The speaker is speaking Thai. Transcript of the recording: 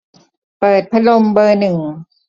เปิดพัดลมเบอร์หนึ่ง